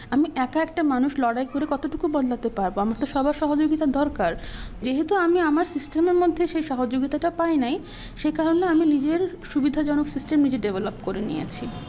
আমি একা একটা মানুষ লড়াই করে কতটুকু হতে পারব আমার তো সবার সহযোগিতা দরকার যেহেতু আমি আমার সিস্টেমের মধ্যে সে সহযোগিতা একটা পাই নাই সে কারণে আমি নিজের সুবিধাজনক সিস্টেম নিজে ডেভেলপ করে নিয়েছি